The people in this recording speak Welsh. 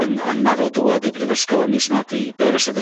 ...yn yn meddwl dŵad i brifysgol ym mis Medi. Be' fysa dy...